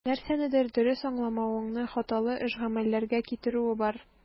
Нәрсәнедер дөрес аңламавыңның хаталы эш-гамәлләргә китерүе бар.